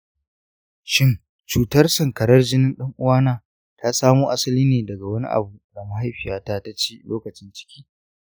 shin cutar sankarar jinin ɗan’uwana ta samo asali ne daga wani abu da mahaifiyata ta ci lokacin ciki?